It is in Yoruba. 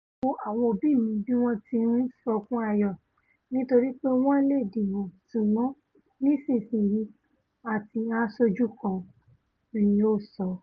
Mo wo àwọn òbí mi bí wọ́n ti ń sọkún ayọ̀ nítorí pe wọ́n leè dìbo sùgbọ́n nísinsìnyí a ti há sójú kan,'' ni o sọ.